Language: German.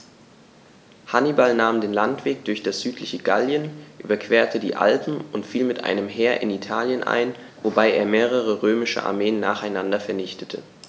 Hannibal nahm den Landweg durch das südliche Gallien, überquerte die Alpen und fiel mit einem Heer in Italien ein, wobei er mehrere römische Armeen nacheinander vernichtete.